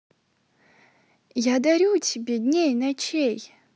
я дарю тебе дней ночей